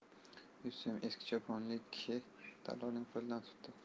yuz so'm eski choponli kishi dallolning qo'lidan tutdi